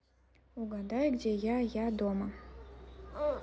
угадай где я я дома